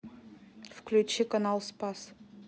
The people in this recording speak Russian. включи канал спас